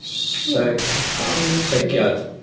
Seg... Rhan... Segiad.